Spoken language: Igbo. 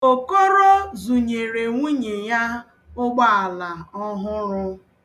Okoro zụnyere nwunye ya ụgbọala ọhụrụ.